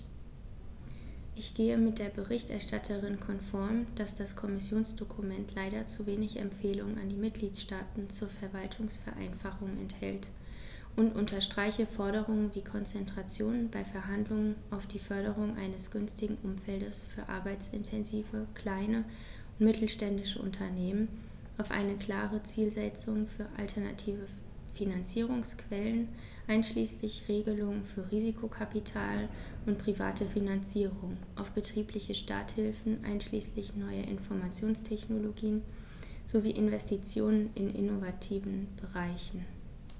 Ich gehe mit der Berichterstatterin konform, dass das Kommissionsdokument leider zu wenig Empfehlungen an die Mitgliedstaaten zur Verwaltungsvereinfachung enthält, und unterstreiche Forderungen wie Konzentration bei Verhandlungen auf die Förderung eines günstigen Umfeldes für arbeitsintensive kleine und mittelständische Unternehmen, auf eine klare Zielsetzung für alternative Finanzierungsquellen einschließlich Regelungen für Risikokapital und private Finanzierung, auf betriebliche Starthilfen einschließlich neuer Informationstechnologien sowie Investitionen in innovativen Bereichen.